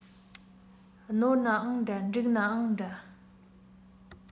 ནོར ནའང འདྲ འགྲིག ནའང འདྲ